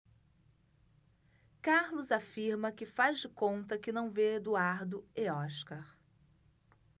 carlos afirma que faz de conta que não vê eduardo e oscar